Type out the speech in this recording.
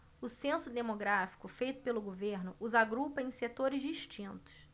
o censo demográfico feito pelo governo os agrupa em setores distintos